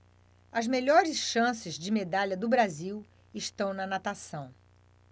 as melhores chances de medalha do brasil estão na natação